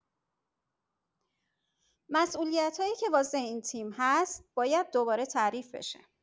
مسئولیتایی که واسه این تیم هست باید دوباره تعریف بشه.